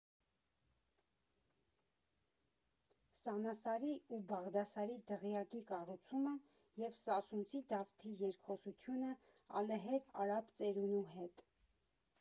Սանասարի ու Բաղդասարի դղյակի կառուցումը և Սասունցի Դավթի երկխոսությունը ալեհեր արաբ ծերունու հետ։